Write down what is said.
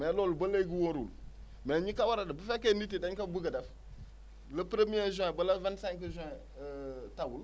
mais loolu ba léegi wóorul mais ñi ko war a def bu fekkee nit yi daén ko bugg a def le premier juin ba le vingt cinq juin tawul